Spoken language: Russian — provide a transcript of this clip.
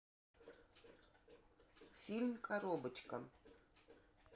фильм коробочка